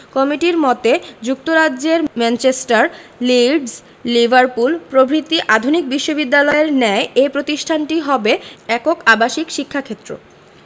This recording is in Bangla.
কমিটির মতে যুক্তরাজ্যের ম্যানচেস্টার লিডস লিভারপুল প্রভৃতি আধুনিক বিশ্ববিদ্যালয়ের ন্যায় এ প্রতিষ্ঠানটি হবে একক আবাসিক শিক্ষাক্ষেত্র